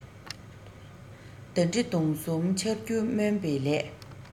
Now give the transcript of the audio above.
མདའ གྲི མདུང གསུམ འཕྱར རྒྱུ སྨྱོན པའི ལས